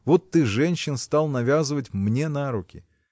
Вот ты женщин стал навязывать мне на руки.